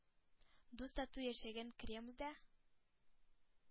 Дус-тату яшәгән, кремльдә